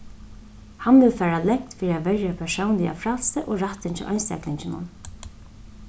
hann vil fara langt fyri at verja persónliga frælsið og rættin hjá einstaklinginum